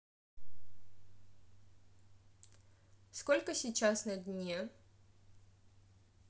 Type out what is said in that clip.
сколько сейчас на дне